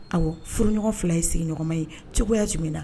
Ɔwɔ furuɲɔgɔn fila ye sigi ɲɔgɔnma ye cogoya jumɛn na